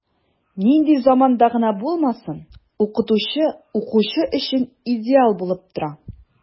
Нинди заманда гына булмасын, укытучы укучы өчен идеал булып тора.